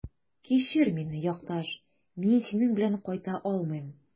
Кичер мине, якташ, мин синең белән кайта алмыйм.